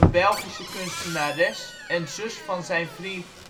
Belgische kunstenares en zus van zijn vriend